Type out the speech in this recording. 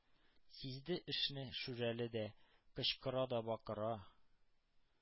Сизде эшне Шүрәле дә: кычкыра да бакыра,